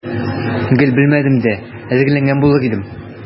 Гел белмәдем дә, әзерләнгән булыр идем.